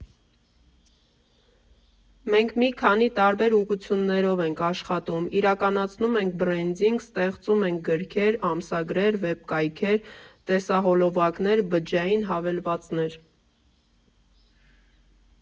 Մենք մի քանի տարբեր ուղղություններով ենք աշխատում՝ իրականացնում ենք բրենդինգ, ստեղծում ենք գրքեր, ամսագրեր, վեբկայքեր, տեսահոլովակներ, բջջային հավելվածներ։